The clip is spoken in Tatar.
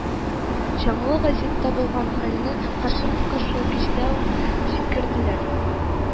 Җанлы газетта булган хәлне Һашимовка шул кичтә үк җиткерделәр